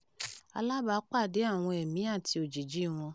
Àlábàápàdé àwọn ẹ̀mí àti òjìjíi wọn